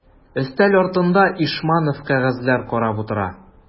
Өстәл артында Ишманов кәгазьләр карап утыра.